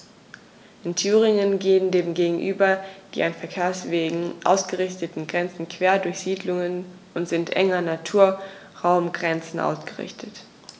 In Thüringen gehen dem gegenüber die an Verkehrswegen ausgerichteten Grenzen quer durch Siedlungen und sind eng an Naturraumgrenzen ausgerichtet.